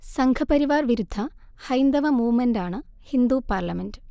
സംഘപരിവാർ വിരുദ്ധ ഹൈന്ദവ മൂവ്മെന്റാണ് ഹിന്ദു പാർലമെന്റ്